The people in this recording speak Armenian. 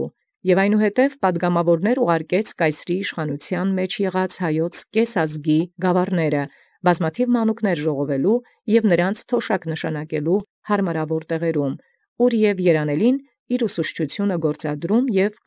Եւ հրեշտակս արձակեալ այնուհետև ի գաւառս կէս ազգին Հայոց յիշխանութեանն կայսեր, բազմութիւն մանկտւոյ ժողովել և նոցին ռոճիկս կարգել ի պատեհագոյն տեղիս, յորս և երանելին զվարդապետութիւնն իւր ի գործ արկեալ, և ժողովելոցն։